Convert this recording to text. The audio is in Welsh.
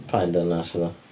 Paun dynas oedd o.